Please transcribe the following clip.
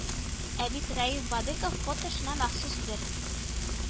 Ә бит Рәиф Бадыйков фото эшенә махсус бер